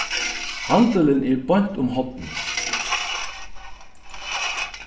handilin er beint um hornið